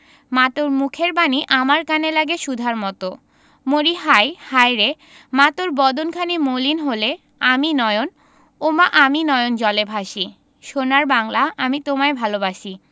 মা তোর মুখের বাণী আমার কানে লাগে সুধার মতো মরিহায় হায়রে মা তোর বদন খানি মলিন হলে ওমা আমি নয়ন ওমা আমি নয়ন জলে ভাসি সোনার বাংলা আমি তোমায় ভালবাসি